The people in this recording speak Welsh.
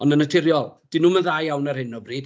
Ond yn naturiol 'dyn nhw'm dda iawn ar hyn o bryd.